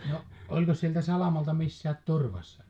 no oliko siltä salamalta missään turvassa